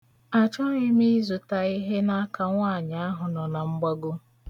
Achọghị m ịzụta ihe n'aka nwaanyị ahụ nọ na mgbago.